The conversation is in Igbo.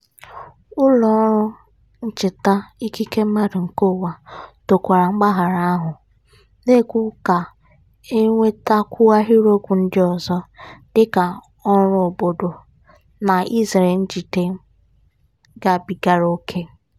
National Independent Human Rights Commission tokwara mgbaghara ahụ, na-ekwu ka e nwetakwuo ahịrịokwu ndị ọzọ, dịka ọrụ obodo, na izere njide gabigara ókè.